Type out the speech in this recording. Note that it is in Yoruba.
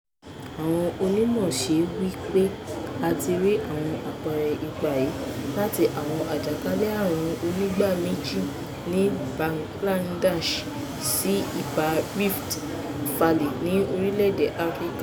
Àwọn onímọ̀ọ́ṣe wí pé a ti rí àwọn àpẹẹrẹ ipa yìí, láti àwọn àjàkálẹ̀ àrùn onígbáméjì ní Bangladesh sí ibà Rift Valley ní orílẹ̀ Áfíríkà.